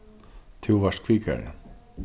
tú vart kvikari